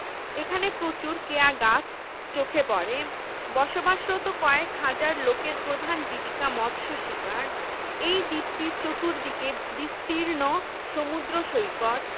এখানে প্রচুর কেয়া গাছ চোখে পড়ে বসবাসরত কয়েক হাজার লোকের প্রধান জীবিকা মৎস্য শিকার এই দ্বীপটির চতুর্দিকে বিস্তীর্ণ সমুদ্র সৈকত